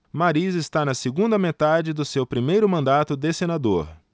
mariz está na segunda metade do seu primeiro mandato de senador